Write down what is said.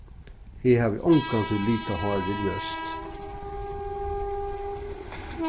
eg havi ongantíð litað hárið ljóst